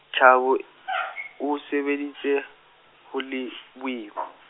Thabo, o, sebeditse, ho le, boima.